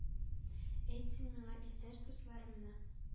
Әйт син миңа, илдәш дусларымны